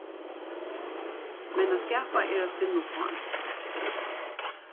men at skapa er at finna uppá